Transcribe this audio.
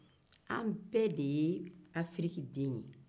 an bɛɛ de ye afiriki den ye